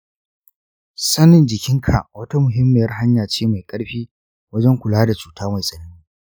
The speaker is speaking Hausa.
sanin jikinka wata muhimmiyar hanya ce mai ƙarfi wajen kula da cuta mai tsanani.